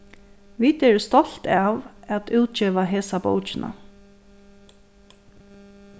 vit eru stolt av at útgeva hesa bókina